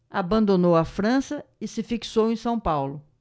abandonou a frança e se fixou em são paulo